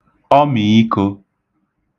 ọmìikō